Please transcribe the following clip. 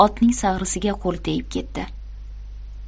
otning sag'risiga qo'li tegib ketdi